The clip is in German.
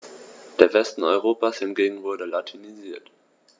Der Westen Europas hingegen wurde latinisiert.